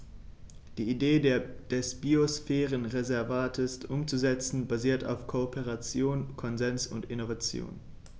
Die Idee des Biosphärenreservates umzusetzen, basiert auf Kooperation, Konsens und Innovation.